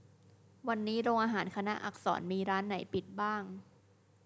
วันนี้โรงอาหารคณะอักษรมีร้านไหนปิดบ้าง